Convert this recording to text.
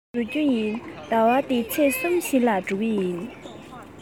ད དུང སོང མེད ཟླ བ འདིའི ཚེས གསུམ བཞིའི གཅིག ལ འགྲོ གི ཡིན